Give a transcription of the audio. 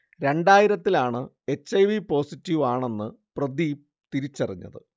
രണ്ടായിരത്തിലാണ് H. I. V positive ആണെന്ന് പ്രദീപ് തിരിച്ചറിഞ്ഞത്